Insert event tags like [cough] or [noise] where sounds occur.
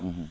[hesitation] [hesitation]